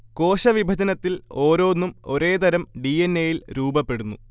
കോശവിഭജനത്തിൽ ഓരോന്നും ഒരേ തരം ഡി. എൻ. എയിൽ രൂപപ്പെടുന്നു